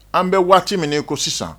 An bɛ waati min ko sisan